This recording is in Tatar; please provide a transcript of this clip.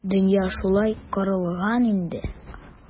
Дөнья шулай корылган инде.